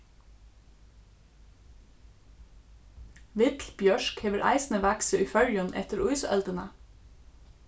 vill bjørk hevur eisini vaksið í føroyum eftir ísøldina